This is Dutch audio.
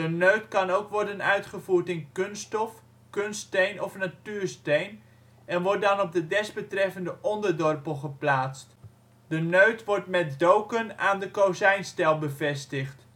neut kan ook worden uitgevoerd in kunststof, kunststeen of natuursteen en wordt dan op de desbetreffende onderdorpel geplaatst. De neut wordt met doken aan de kozijnstijl bevestigd